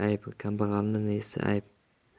ayb kambag'allikning nesi ayb